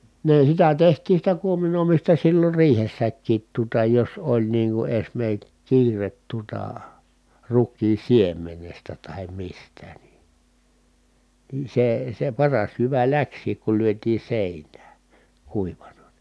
ne sitä tehtiin sitä kuominoimista silloin riihessäkin tuota jos oli niin kuin - kiire tuota rukiin siemenestä tai mistä niin niin se se paras jyvä lähtikin kun lyötiin seinään kuivana niin